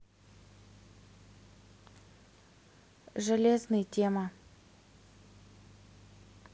железный тема